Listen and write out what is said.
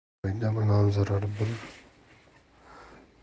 foyda bilan zarar